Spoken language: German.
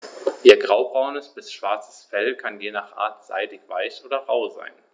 Ihr graubraunes bis schwarzes Fell kann je nach Art seidig-weich oder rau sein.